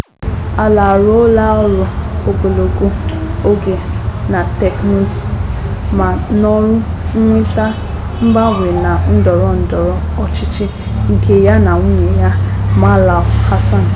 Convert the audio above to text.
Alaa arụọla ọrụ ogologo oge na teknụzụ ma n'ọrụ mweta mgbanwe na ndọrọ ndọrọ ọchịchị nke ya na nwunye ya, Manal Hassan.